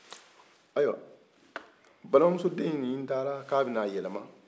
ayiwa balimamuso den in taara k'a be na a yɛlɛma